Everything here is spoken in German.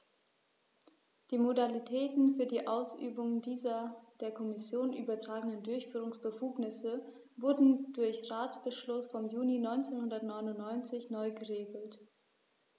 Die Modalitäten für die Ausübung dieser der Kommission übertragenen Durchführungsbefugnisse wurden durch Ratsbeschluss vom Juni 1999 neu geregelt.